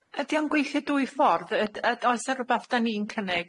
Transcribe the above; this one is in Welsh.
Ydi o'n gweithio dwy ffordd? Yd- yd- oes 'na rwbath 'dan ni'n cynnig